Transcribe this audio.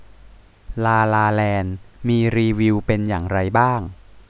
ลาลาแลนด์มีรีวิวเป็นอย่างไรบ้าง